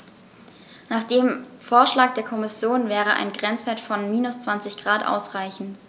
Nach dem Vorschlag der Kommission wäre ein Grenzwert von -20 ºC ausreichend.